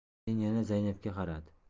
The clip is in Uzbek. keyin yana zaynabga qaradi